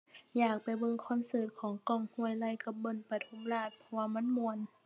อยากไปเบิ่งคอนเสิร์ตของ ก้อง ห้วยไร่ กับ เบิล ปทุมราช เพราะว่ามันม่วน